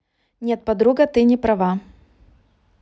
нет подруга ты не права